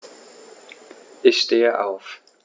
Ich stehe auf.